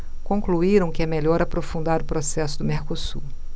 concluíram que é melhor aprofundar o processo do mercosul